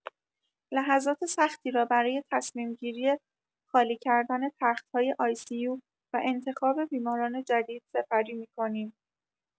لحظات سختی را برای تصمیم‌گیری خالی کردن تخت‌های آی‌سی‌یو و انتخاب بیماران جدید سپری می‌کنیم